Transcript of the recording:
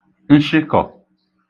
nshịkọ̀